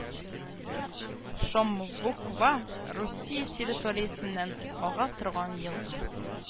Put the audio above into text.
Шомвуква Русия территориясеннән ага торган елга